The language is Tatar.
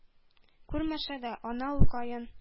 Күрмәсә дә, ана улкаен